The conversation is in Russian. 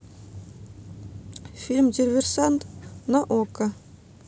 фильм диверсант на окко